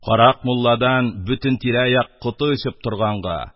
Карак мулладан бөтен тирә-як коты очып торганга,